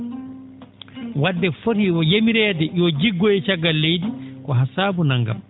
wadde foti o yamireede yo jiggoye caggal leydi ko haa saabu nanngam